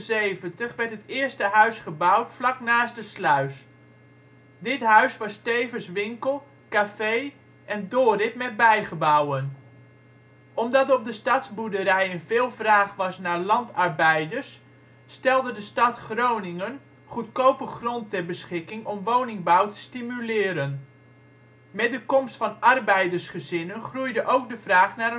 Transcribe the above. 1879 werd het eerste huis gebouwd vlak naast de sluis. Dit huis was tevens winkel, café en doorrit met bijgebouwen. Omdat op de stadsboerderijen veel vraag was naar landarbeiders stelde de stad Groningen goedkope grond ter beschikking om woningbouw te stimuleren. Met de komst van arbeidersgezinnen groeide ook de vraag naar